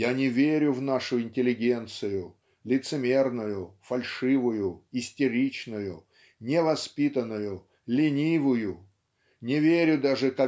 "Я не верю в нашу интеллигенцию лицемерную фальшивую истеричную невоспитанную ленивую не верю даже